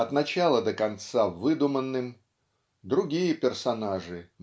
от начала до конца выдуманным другие персонажи